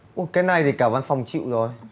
ô cái này thì cả văn phòng chịu rồi